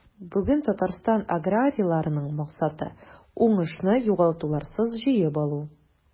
Бүген Татарстан аграрийларының максаты – уңышны югалтуларсыз җыеп алу.